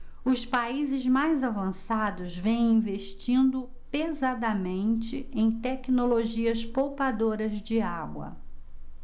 os países mais avançados vêm investindo pesadamente em tecnologias poupadoras de água